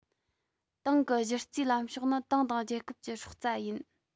ཏང གི གཞི རྩའི ལམ ཕྱོགས ནི ཏང དང རྒྱལ ཁབ ཀྱི སྲོག རྩ ཡིན